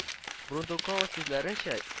Брундукова сүзләренчә